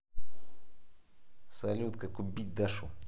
салют как убить дашу